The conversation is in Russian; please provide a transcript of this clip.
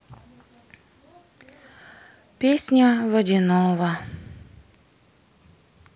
песня водяного